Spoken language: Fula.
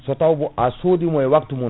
so taw bon a sodimo e waptu mum